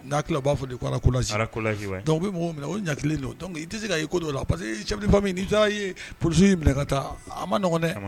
N'a b'a fɔ bɛ minɛ o i tɛ se ka' i ko la parce que min ye psi minɛ ka taa a ma nɔgɔɛ